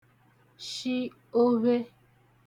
shi ovhe